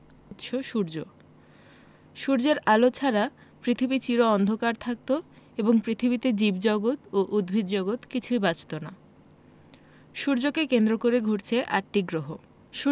উৎস সূর্য সূর্যের আলো ছাড়া পৃথিবী চির অন্ধকার থাকত এবং পৃথিবীতে জীবজগত ও উদ্ভিদজগৎ কিছুই বাঁচত না সূর্যকে কেন্দ্র করে ঘুরছে আটটি গ্রহ